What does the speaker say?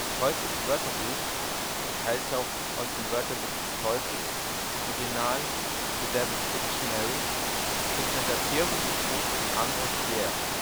Teufels Wörterbuch (teils auch Aus dem Wörterbuch des Teufels; Original: The Devil 's Dictionary) ist ein satirisches Buch von Ambrose Bierce